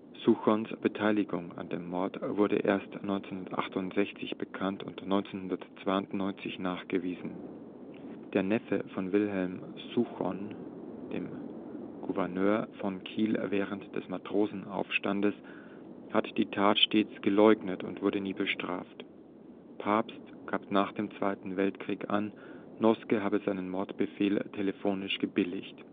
Souchons Beteiligung an dem Mord wurde erst 1968 bekannt und 1992 nachgewiesen. Der Neffe von Wilhelm Souchon, dem Gouverneur von Kiel während des Matrosenaufstands, hat die Tat stets geleugnet und wurde nie bestraft. Pabst gab nach dem Zweiten Weltkrieg an, Noske habe seinen Mordbefehl telefonisch gebilligt